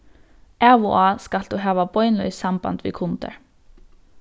av og á skalt tú hava beinleiðis samband við kundar